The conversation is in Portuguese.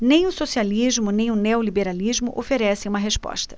nem o socialismo nem o neoliberalismo oferecem uma resposta